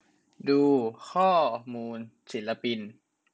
ดูข้อมูลศิลปิน